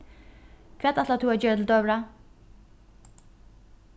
hvat ætlar tú at gera til døgurða